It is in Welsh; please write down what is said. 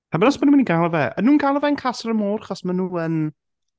Tybed os maen nhw'n mynd i galw fe... y'n nhw'n galw fe'n Casa Amor achos maen nhw yn...